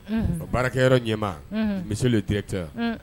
A baarakɛ yɛrɛ ɲɛma n misi tre tɛ